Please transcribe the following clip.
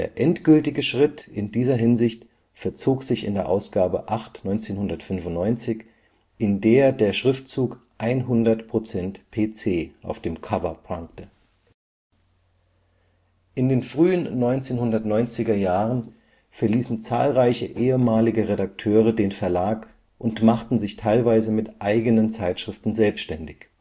endgültige Schritt in dieser Hinsicht vollzog sich in Ausgabe 8/1995, in der der Schriftzug 100% PC auf dem Cover prangte. In den frühen 1990er-Jahren verließen zahlreiche ehemalige Redakteure den Verlag und machten sich teilweise mit eigenen Zeitschriften selbständig